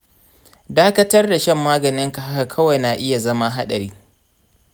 dakatar da shan maganinka haka kawai na iya zama haɗari.